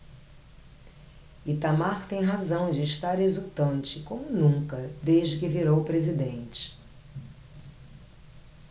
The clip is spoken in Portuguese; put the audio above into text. itamar tem razão de estar exultante como nunca desde que virou presidente